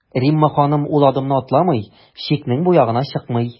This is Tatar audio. Римма ханым ул адымны атламый, чикнең бу ягына чыкмый.